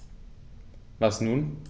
Was nun?